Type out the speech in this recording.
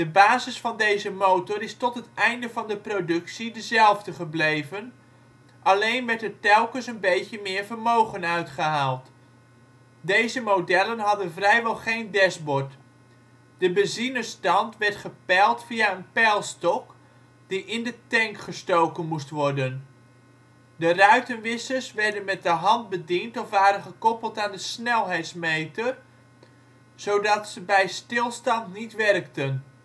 basis van deze motor is tot het einde van de productie dezelfde gebleven, alleen werd er telkens een beetje meer vermogen uitgehaald. Deze modellen hadden vrijwel geen dashboard. De benzinestand werd gepeild via een peilstok die in de tank gestoken moest worden. De ruitenwissers werden met de hand bediend of waren gekoppeld aan de snelheidsmeter zodat ze bij stilstand niet werkten